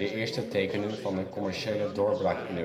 eerste tekenen van een commerciële doorbraak in